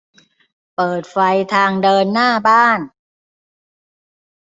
เปิดไฟทางเดินหน้าบ้าน